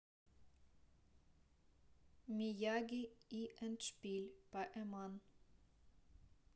мияги и эндшпиль паэман